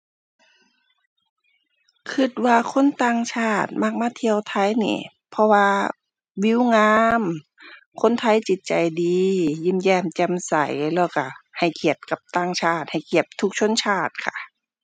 คิดว่าคนต่างชาติมักมาเที่ยวไทยนี่เพราะว่าวิวงาม คนไทยจิตใจดี ยิ้มแย้มแจ่มใส แล้วคิดให้เกียรติกับต่างชาติ ให้เกียรติทุกชนชาติค่ะ